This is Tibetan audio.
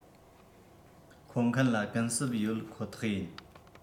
མཁོ མཁན ལ གུན གསབ ཡོད ཁོ ཐག ཡིན